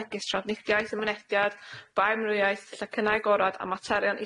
megis trafnidiaeth y mynediad baioamrywiaeth, llecynnau agorad a materion